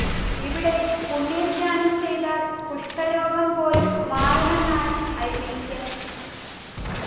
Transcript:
ഇവിടെ പുണ്യസ്നാനം ചെയ്താൽ കുഷ്ഠരോഗം പോലും മാറുമെന്നാണ് ഐതീഹ്യം